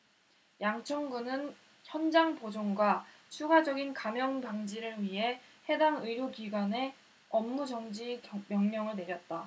양천구는 현장 보존과 추가적인 감염 방지를 위해 해당 의료기관에 업무정지 명령을 내렸다